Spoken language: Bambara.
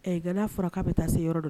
Gɛlɛya fɔra k'a bɛ taa se yɔrɔ don